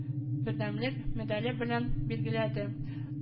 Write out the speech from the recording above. – “бердәмлек” медале белән билгеләде